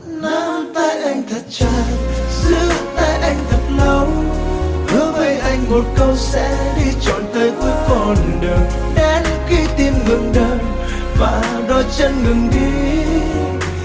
nắm tay anh thật chặt giữ tay anh thật lâu hứa với anh một câu sẽ đi chọn tới cuối con đường đến khi tim ngừng đập và đôi chân ngừng đi